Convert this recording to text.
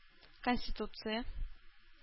Конституция